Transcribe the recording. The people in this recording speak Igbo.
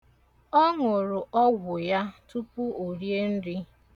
Ọ ṅụrụ ọgwụ ya tupu o rie nri.